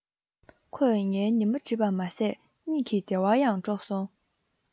ཁོས ངའི ཉི མ སྒྲིབ པ མ ཟད གཉིད ཀྱི བདེ བ ཡང དཀྲོགས སོང